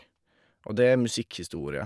Og det er musikkhistorie.